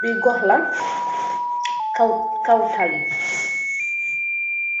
Li guhh laah, kaw talli,